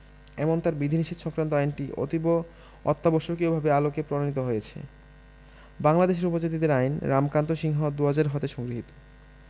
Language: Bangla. এমনতার বিধিনিষেধ সংক্রান্ত আইনটি অতীব অত্যাবশ্যকীয়তার আলোকে প্রণীত হয়েছে বাংলাদেশের উপজাতিদের আইন রামকান্ত সিংহ ২০০০ হতে সংগৃহীত